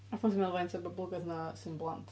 A pan ti'n meddwl faint o'r boblogaeth 'na sy'n blant?